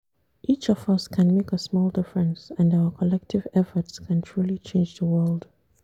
Each of us can make a small difference and our collective efforts can truly change the world.